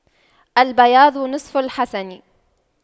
البياض نصف الحسن